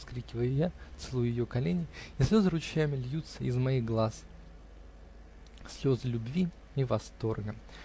-- вскрикиваю я, целуя ее колени, и слезы ручьями льются из моих глаз -- слезы любви и восторга.